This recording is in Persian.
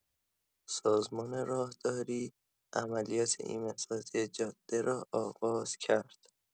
سازمان راهداری عملیات ایمن‌سازی جاده را آغاز کرد.